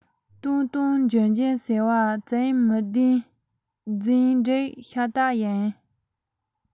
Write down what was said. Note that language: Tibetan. བཏང བཏང འཇོན འཇོན ཟེར བ བྱིངས མི བདེན རྫུན སྒྲིག ཤ སྟག ཡིན